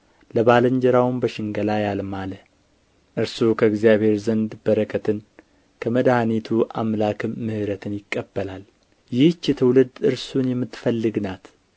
ለባልንጀራውም በሽንገላ ያልማለ እርሱ ከእግዚአብሔር ዘንድ በረከትን ከመድኃኒቱ አምላክም ምሕረትን ይቀበላል ይህች ትውልድ እርሱን የምትፈልግ ናት